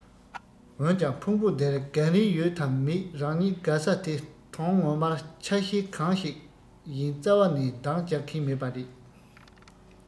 འོན ཀྱང ཕུང པོ འདིར དགའ རིན ཡོད དམ མེད རང ཉིད དགའ ས དེ དོན ངོ མར ཆ ཤས གང ཞིག ཡིན རྩ བ ནས འདང རྒྱག གིན མེད པ རེད